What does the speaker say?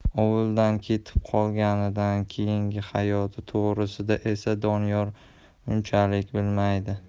ovuldan ketib qolganidan keyingi hayoti to'g'risida esa doniyor unchalik bilmaydi